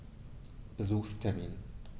Besuchstermin